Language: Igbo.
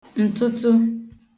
ǹtụtụ